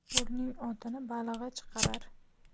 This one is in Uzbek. ko'lning otini balig'i chiqarar